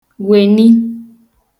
wèli